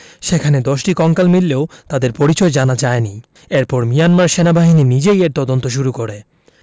সেখানে ১০টি কঙ্কাল মিললেও তাদের পরিচয় জানা যায়নি এরপর মিয়ানমার সেনাবাহিনী নিজেই এর তদন্ত শুরু করে